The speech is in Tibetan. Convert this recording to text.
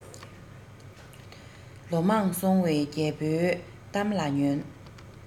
ལོ མང སོང བའི རྒད པོའི གཏམ ལ ཉོན